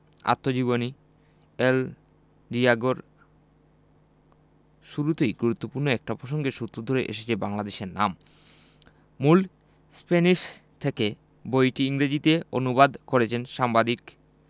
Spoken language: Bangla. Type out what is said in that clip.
আত্মজীবনী এল ডিয়েগো র শুরুতেই গুরুত্বপূর্ণ একটা প্রসঙ্গের সূত্র ধরে এসেছে বাংলাদেশের নাম মূল স্প্যানিশ থেকে বইটি ইংরেজিতে অনু্বাদ করেছেন সাংবাদিক